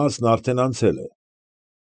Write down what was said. Մասն արդեն անցել է։